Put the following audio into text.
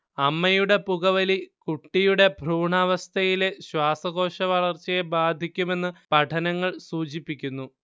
അമ്മയുടെ പുകവലി കുട്ടിയുടെ ഭ്രൂണാവസ്ഥയിലെ ശ്വാസകോശവളർച്ചയെ ബാധിക്കുമെന്ന് പഠനങ്ങൾ സൂചിപ്പിക്കുന്നു